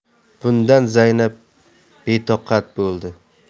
bundan zaynab betoqat bo'ldi